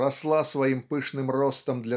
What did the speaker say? росла своим пышным ростом